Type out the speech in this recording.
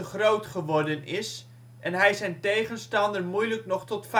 groot geworden is en hij zijn tegenstander moeilijk nog tot